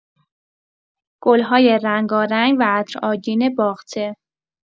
گل‌های رنگارنگ و عطرآگین باغچه